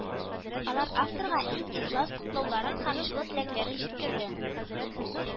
Алар авторга иң ихлас котлауларын һәм җылы теләкләрен җиткерде